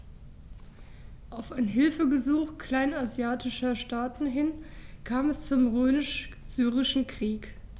Auf ein Hilfegesuch kleinasiatischer Staaten hin kam es zum Römisch-Syrischen Krieg.